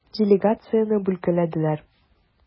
Делегацияне бүлгәләделәр.